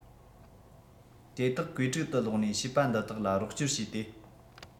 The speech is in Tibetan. དེ དག ཀུའེ ཀྲོའུ དུ ལོག ནས བྱིས པ འདི དག ལ རོགས བྱས ཏེ